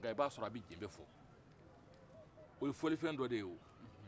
mɛ i b'a sɔrɔ a bɛ jenbe fɔ o ye fɔlifɛn dɔ de ye